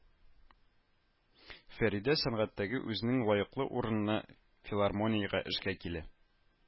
Фәридә сәнгатьтәге үзенең лаеклы урынына филармониягә эшкә килә